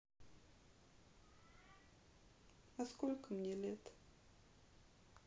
а сколько мне лет